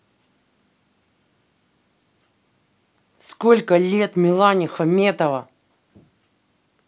сколько лет милане хаметова